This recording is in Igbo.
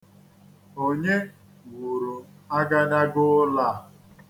Onye wuru agadaga ụlọ a?